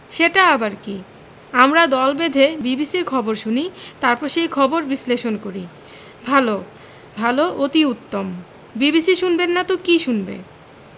সেটা আবার কি আমরা দল বেঁধে বিবিসির খবর শুনি তারপর সেই খবর বিশ্লেষণ করি ভাল ভাল অতি উত্তম বিবিসি শুনবেননা তো কি শুনবে